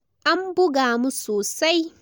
An buga mu sosai